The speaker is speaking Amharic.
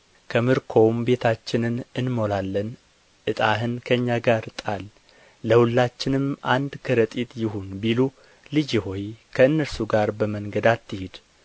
ከምርኮውም ቤታችንን እንሞላለን ዕጣህን ከእኛ ጋር ጣል ለሁላችንም አንድ ከረጢት ይሁን ቢሉ ልጄ ሆይ ከእነርሱ ጋር በመንገድ አትሂድ